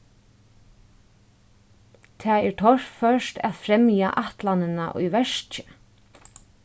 tað er torført at fremja ætlanina í verki